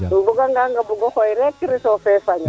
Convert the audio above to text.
im buga ngaanga bug o xooy rek reseau fee fañaa